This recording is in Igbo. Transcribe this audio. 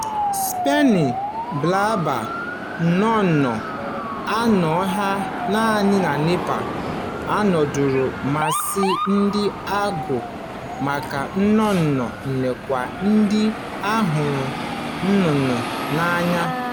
Spiny Blabber, nnụnnụ a na-ahụ naanị na Nepal, na-adọrọ mmasị ndị na-agụ maka nnụnụ nakwa ndị hụrụ nnụnnụ n'anya.